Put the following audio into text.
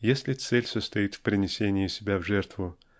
Если цель состоит в принесении себя в жертву